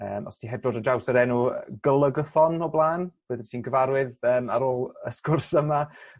yym os ti heb dod ar draws yr enw golygathon o bla'n byddet ti'n gyfarwydd yym ar ôl y sgwrs yma.